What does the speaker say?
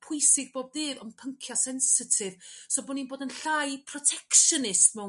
pwysig bob dydd ond pyncia' sensitif so bo' ni'n bod yn llai protectionist mewn